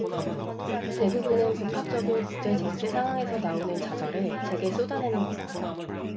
대부분은 복합적인 국제 정치 상황에서 나오는 좌절을 제게 쏟아내는 거다